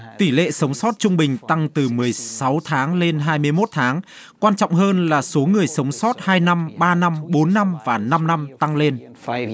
tỷ lệ sống sót trung bình tăng từ mười sáu tháng lên hai mươi mốt tháng quan trọng hơn là số người sống sót hai năm ba năm bốn năm và năm năm tăng lên